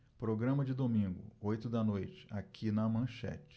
programa de domingo oito da noite aqui na manchete